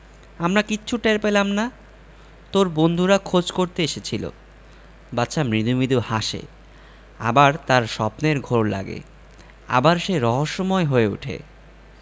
আমরা কিচ্ছু টের পেলাম না তোর বন্ধুরা খোঁজ করতে এসেছিলো বাদশা মৃদু মৃদু হাসে আবার তার স্বপ্নের ঘোর লাগে আবার সে রহস্যময় হয়ে উঠে